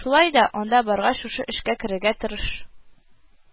Шулай да, анда баргач, шушы эшкә керергә тырыш